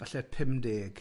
Falle pumdeg.